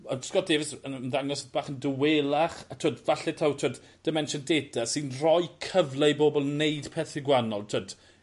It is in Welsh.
Ond Scott Davis yn ymddangos bach yn dawelach a t'wod falle taw t'wod Dimension Data sy'n rhoi cyfle i bobol neud pethe gwanol t'wod